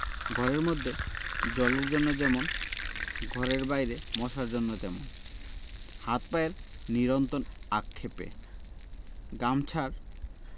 ঘরের মধ্যে জলের জন্য যেমন ঘরের বাইরে মশার জন্য তেমন হাত পায়ের নিরন্তর আক্ষেপে গামছার